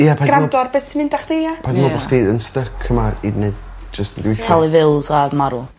Ia paid meddwl... ...gwrando ar beth mynd â chdi ia? Paid me'wl bo' chdi yn styc yma i neud jyst i gweithio. Talu fils a marw.